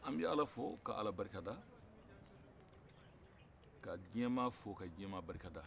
anw b ala fo ka ala barika da ka diɲɛ maa fo ka jiɲɛ maa fo ka jiɲɛ maa barika da